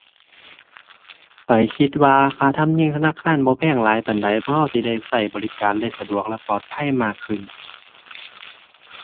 ข้อยคิดว่าค่าธรรมเนียมธนาคารบ่แพงหลายปานใด เพราะเราสิได้เราบริการได้สะดวกและปลอดภัยมากขึ้น